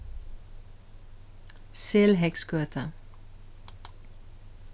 selheygsgøta